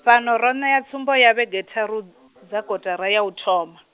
fhano ro ṋea tsumbo ya vhege tharu, dza kotara ya u thoma.